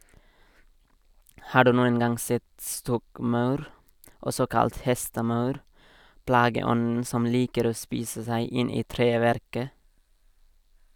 Har du noen gang sett stokkmaur, også kalt hestemaur, plageånden som liker å spise seg inn i treverket?